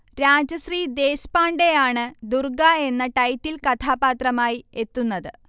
രാജശ്രീ ദേശ്പാണ്ഡേയാണ് ദുർഗ എന്ന ടൈറ്റിൽ കഥാപാത്രമായി എത്തുന്നത്